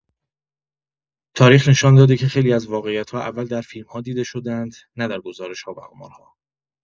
تاریخ نشان داده که خیلی از واقعیت‌ها اول در فیلم‌ها دیده شده‌اند، نه در گزارش‌ها و آمارها.